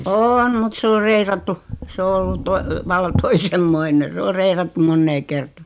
on on mutta se on reilattu se on ollut vallan toisenlainen se on reilattu moneen kertaan